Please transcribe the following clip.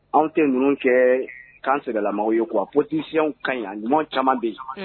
Anw tɛ ninnu kɛ kanan sɛgɛnlaw ye k a fɔ disiw ka yan ɲuman caman bɛ yen